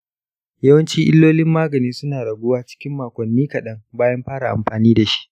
yawancin illolin magani suna raguwa cikin makonni kaɗan bayan fara amfani da shi.